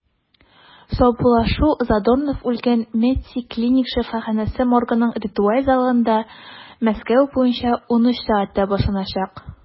Саубуллашу Задорнов үлгән “МЕДСИ” клиник шифаханәсе моргының ритуаль залында 13:00 (мск) башланачак.